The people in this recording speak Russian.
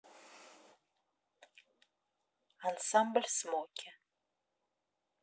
ансамбль смоки